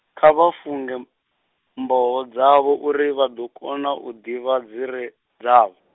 kha vha funge, mboho dzavho uri vha ḓo kona u ḓivha dzire, dzavh-.